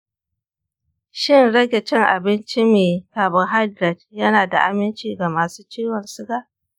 shin rage cin abinci mai carbohydrate yana da aminci ga masu ciwon siga?